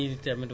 waaw waaw